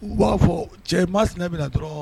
U b'a fɔ cɛ ma sinɛ bɛ na dɔrɔɔn